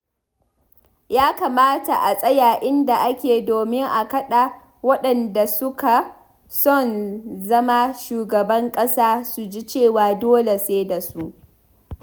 Ya kamata a tsaya inda ake domin a kada waɗanda suka son zama shugaban ƙasa su ji cewa dole sai da su.